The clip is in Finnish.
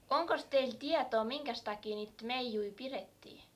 onkos teillä tietoa minkäs takia niitä meijuja pidettiin